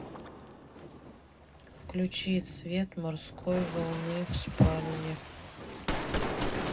включи цвет морской волны в спальне